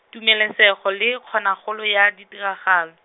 Tumelesego le kgonagalo ya ditiragalo.